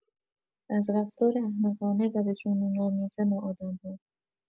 از رفتار احمقانه و به جنون‌آمیز ما آدم‌ها.